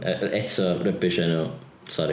Yy eto, rubish enw, sori